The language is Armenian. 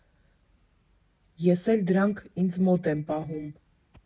Ես էլ դրանք ինձ մոտ եմ պահում։